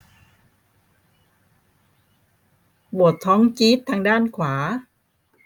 ปวดท้องจี๊ดทางด้านขวา